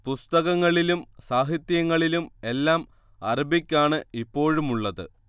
പുസ്തകങ്ങളിലും സാഹിത്യങ്ങളിലും എല്ലാം അറബിക് ആണ് ഇപ്പോഴുമുള്ളത്